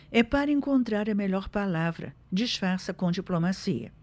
é para encontrar a melhor palavra disfarça com diplomacia